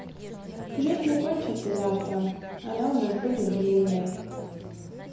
жизнь не кончится завтра она у нас будет длинной